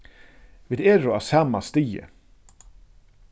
vit eru á sama stigi